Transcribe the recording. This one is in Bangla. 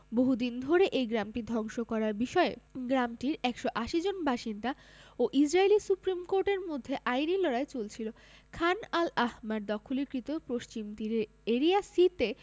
বহুদিন ধরে এই গ্রামটি ধ্বংস করার বিষয়ে গ্রামটির ১৮০ জন বাসিন্দা ও ইসরাইলি সুপ্রিম কোর্টের মধ্যে আইনি লড়াই চলছিল খান আল আহমার দখলীকৃত পশ্চিম তীরের এরিয়া সি তে